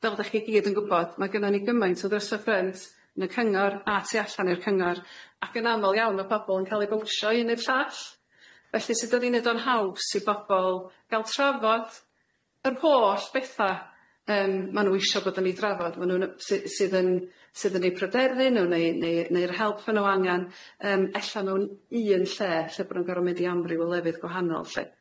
Fel 'dach chi' gyd yn gwbod ma' gynnon ni gymaint o ddrysa ffrynt yn y cyngor a tu allan i'r cyngor ac yn amal iawn ma' pobol yn ca'l eu bownsio o un i'r llall, felly sut 'dan ni'n neud o'n haws i bobol ga'l trafod yr holl betha yym ma' n'w isio bod yn eu drafod ma' n'w'n yy sy- sydd yn sydd yn eu pryderu n'w neu neu neu'r help fy' n'w angan yym ella mewn un lle, lle bo' n'w'n gor'o' mynd i amryw o lefydd gwahanol lly.